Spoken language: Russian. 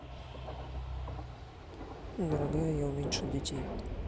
дорогая я уменьшил детей